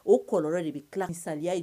O kɔlɔlɔ de bɛ tila ka kɛ saliya ye.